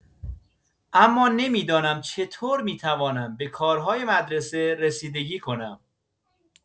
اما نمی‌دانم چطور می‌توانم به کارهای مدرسه رسیدگی کنم.